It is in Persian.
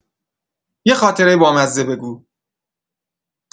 یه خاطره بامزه بگو!